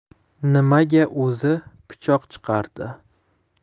nimaga uzi pichoq chiqaradi